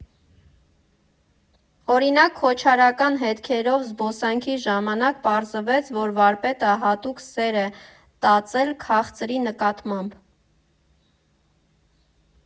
Օրինակ, քոչարական հետքերով զբոսանքի ժամանակ պարզվեց, որ վարպետը հատուկ սեր է տածել քաղցրի նկատմամբ։